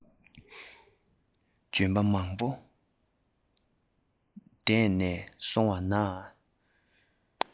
ལྗོན པ མང པོ བརྒྱུད ནས སོང བ ན